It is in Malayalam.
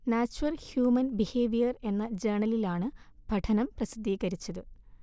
'നാച്വർ ഹ്യൂമൻ ബിഹേവിയർ' എന്ന ജേണലിലാണ് പഠനം പ്രസിദ്ധീകരിച്ചത്